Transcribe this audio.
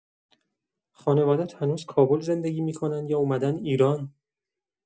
خانواده‌ات هنوز کابل زندگی می‌کنن یا اومدن ایران؟